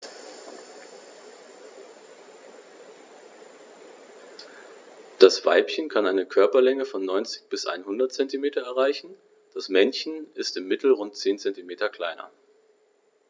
Das Weibchen kann eine Körperlänge von 90-100 cm erreichen; das Männchen ist im Mittel rund 10 cm kleiner.